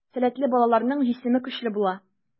Сәләтле балаларның җисеме көчле була.